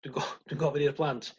dwi'n go- dwi'n gofyn i'r plant